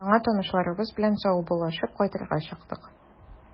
Яңа танышларыбыз белән саубуллашып, кайтырга чыктык.